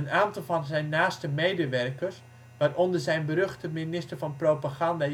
aantal van zijn naaste medewerkers, waaronder zijn beruchte minister van propaganda